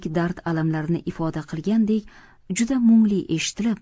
dard alamlarini ifoda qilgandek juda mungli eshitilib